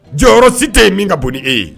Jɔyɔrɔ si tɛ ye min ka bon e ye